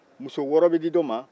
muso wɔɔrɔ bɛ di dɔ ma